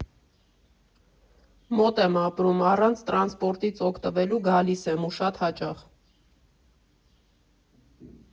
Մոտ եմ ապրում, առանց տրանսպորտից օգտվելու գալիս եմ, ու շատ հաճախ։